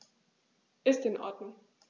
Ist in Ordnung.